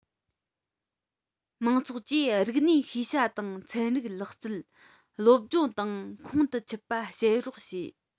མང ཚོགས ཀྱིས རིག གནས ཤེས བྱ དང ཚན རིག ལག རྩལ སློབ སྦྱོང དང ཁོང དུ ཆུད པ བྱེད རོགས བྱས